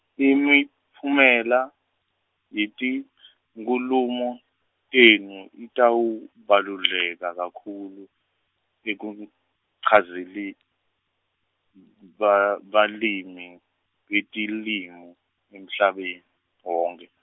imiphumela yetinkhulumo tenu itawubaluleka kakhulu, ekukucadzeli- ba balirni, betilimo emhlabeni wonkhe.